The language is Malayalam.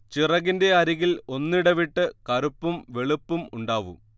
ചിറകിന്റെ അരികിൽ ഒന്നിടവിട്ട് കറുപ്പും വെളുപ്പും ഉണ്ടാവും